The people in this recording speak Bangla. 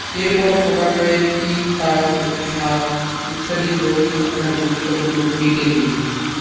এরপর ক্রমান্বয়ে ৩ ৫ এবং ৭ ইত্যাদি মৌলিক সংখ্যার গুণিতকগুলো কেটে দেই